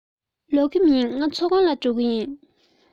ལོག གི མིན ང མཚོ སྔོན ལ འགྲོ མཁན ཡིན